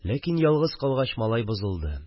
Ләкин ялгыз калгач малай бозылды